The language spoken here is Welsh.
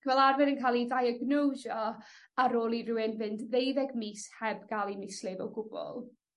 fel arfer yn ca'l 'i ddiagnosio ar ôl i rywun fynd ddeuddeg mis heb ga'l 'i mislif o gwbwl.